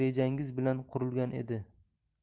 rejangiz bilan qurilgan edi